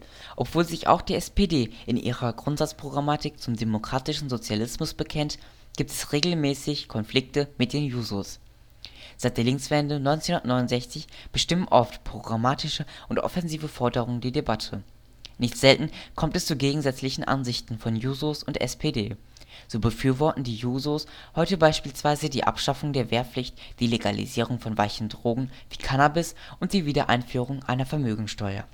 Obwohl sich auch die SPD in ihrer Grundsatzprogrammatik zum demokratischen Sozialismus bekennt, gibt es regelmäßig Konflikte mit den Jusos. Seit der Linkswende 1969 bestimmen oft programmatische und offensive Forderungen die Debatte. Nicht selten kommt es zu gegensätzlichen Ansichten von Jusos und SPD. So befürworten die Jusos heute beispielsweise die Abschaffung der Wehrpflicht, die Legalisierung von weichen Drogen wie Cannabis und die Wiedereinführung einer Vermögensteuer